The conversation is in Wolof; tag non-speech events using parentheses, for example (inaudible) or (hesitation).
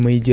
(hesitation) (hesitation)